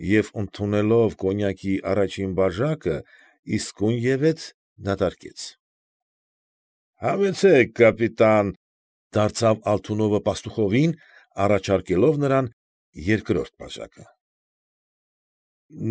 Եվ ընդունելով կոնյակի առաջին բաժակը, իսկույնևեթ դատարկեց։ ֊ Համեցեք, կապիտան,֊ դարձավ Ալթունովը Պաստուխովին, առաջարկելով նրան երկրորդ բաժակը։